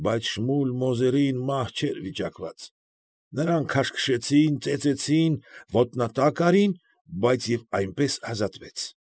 Բայց Շմուլ Մոզերին մահ չէր վիճակված։ Նրան քաշքշեցին, ծեծեցին, ոտնատակ արին, բայց և այնպես ազատվեց։